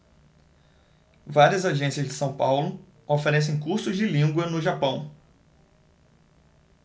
várias agências de são paulo oferecem cursos de língua no japão